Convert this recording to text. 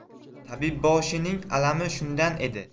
tabibboshining alami shundan edi